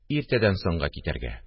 – иртәдән соңга китәргә